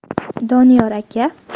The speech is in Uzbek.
doniyor aka